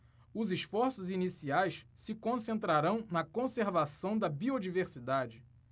os esforços iniciais se concentrarão na conservação da biodiversidade